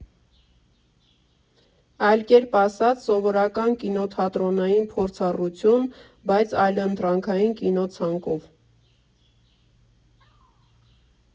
Այլ կերպ ասած՝ սովորական կինոթատրոնային փորձառություն, բայց այլընտրանքային կինոցանկով։